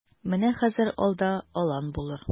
Менә хәзер алда алан булыр.